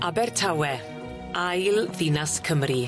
Abertawe, ail ddinas Cymru.